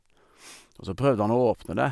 Og så prøvde han å åpne det.